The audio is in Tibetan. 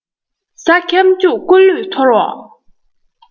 གཟའ ཁྱབ འཇུག སྐུ ལུས ཐོར བ